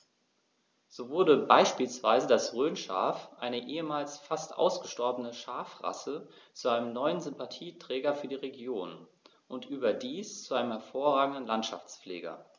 So wurde beispielsweise das Rhönschaf, eine ehemals fast ausgestorbene Schafrasse, zu einem neuen Sympathieträger für die Region – und überdies zu einem hervorragenden Landschaftspfleger.